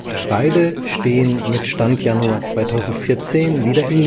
Beide stehen heute (Stand Januar 2014) wieder im